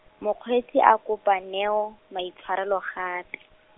mokgweetsi a kopa Neo, maitshwarelo gape.